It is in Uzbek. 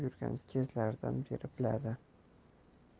yurgan kezlaridan beri biladi